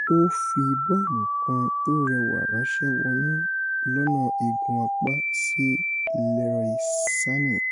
Ó fi bọ́ọ̀lù kan tó rẹwà ránṣ̵ẹ́ wọnú lọ́na igun apá sí Leroy Sane.